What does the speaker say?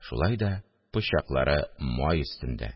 Шулай да пычаклары май өстендә